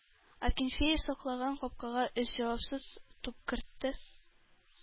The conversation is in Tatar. Акинфеев саклаган капкага өч җавапсыз туп кертте.